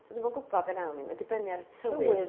So dwi'm yn gwbod be wnawn ni. Mae'n dibynnu ar y tywydd...